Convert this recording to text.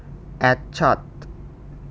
แอดช็อต